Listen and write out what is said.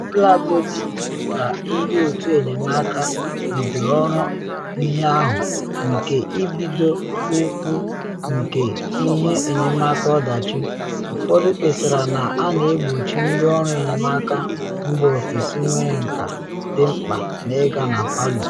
Ọbụlagodi ka ndị otu enyemaka bidoro ọrụ nhịahụ nke ibido ụkwụ nke ihe enyemaka ọdachi, ụfọdụ kpesara na a na egbochi ndị ọrụ enyemaka mba ofesi nwere nka dị mkpa na ịga na Palu.